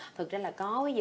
thực ra là có những